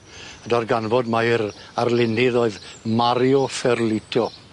A darganfod mai'r arlunydd oedd Mario Ferlito.